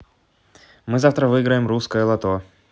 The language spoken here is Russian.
мы завтра выиграем русское лото